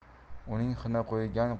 uning xina qo'yilgan